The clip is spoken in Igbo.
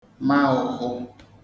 ma ụghụ